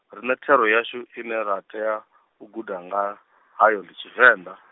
riṋe thero yashu ine ra tea u guda nga hayo ndi Tshivenḓa.